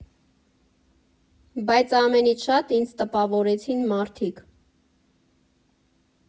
Բայց ամենից շատ ինձ տպավորեցին մարդիկ։